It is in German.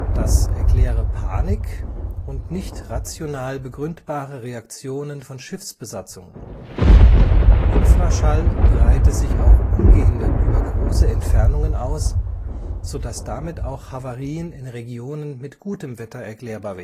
Das erkläre Panik und nicht rational begründbare Reaktionen von Schiffsbesatzungen. Infraschall breite sich auch ungehindert über große Entfernungen aus, so dass damit auch Havarien in Regionen mit gutem Wetter erklärbar